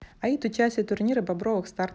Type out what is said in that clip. аид участие турнира бобровых старт